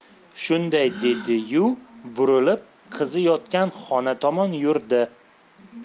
shunday dedi yu burilib qizi yotgan xona tomon yurdi